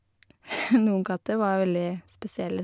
Noen katter var veldig spesielle.